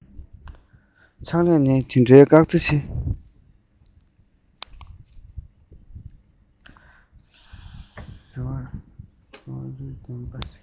ཕྱག ལས ནི འདི འདྲའི དཀའ ཚེགས ཆེ